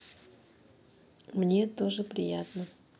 мне тоже приятно